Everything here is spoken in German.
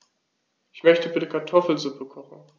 Ich möchte bitte Kartoffelsuppe kochen.